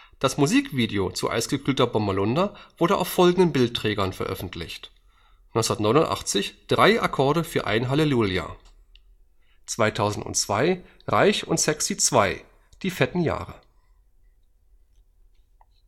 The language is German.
Das Musikvideo zu Eisgekühlter Bommerlunder wurde auf folgenden Bildträgern veröffentlicht: 1989: 3 Akkorde für ein Halleluja, VHS 2002: Reich & sexy II – Die fetten Jahre, DVD